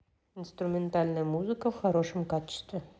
инструментальная музыка в хорошем качестве